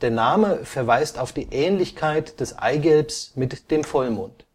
Name verweist auf die Ähnlichkeit des Eigelbs mit dem Vollmond